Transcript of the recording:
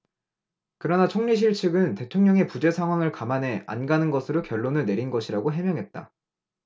그러나 총리실측은 대통령 부재 상황을 감안해 안 가는 것으로 결론을 내린 것이라고 해명했다